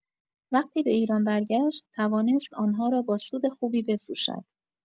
وقتی به ایران برگشت، توانست آن‌ها را با سود خوبی بفروشد.